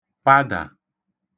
padà